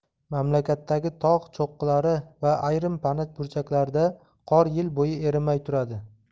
mamlakatdagi tog' cho'qqilari va ayrim pana burchaklarda qor yil bo'yi erimay turadi